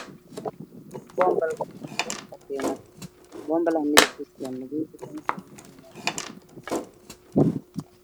Boombalo ku jiro katiinad boonbalaha midabkiisu waa madoow